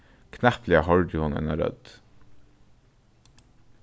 knappliga hoyrdi hon eina rødd